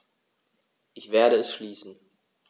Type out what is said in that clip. Ich werde es schließen.